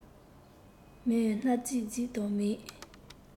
མོས སྣ རྫིག རྫིག དང མིག